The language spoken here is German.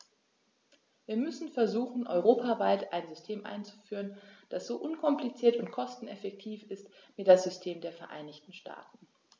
Wir müssen versuchen, europaweit ein System einzuführen, das so unkompliziert und kosteneffektiv ist wie das System der Vereinigten Staaten.